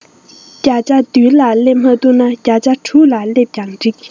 བརྒྱ ཆ བདུན ལ སླེབས མ ཐུབ ན བརྒྱ ཆ དྲུག ལ སླེབས ན འགྲིག